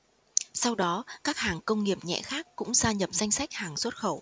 sau đó các hàng công nghiệp nhẹ khác cũng gia nhập danh sách hàng xuất khẩu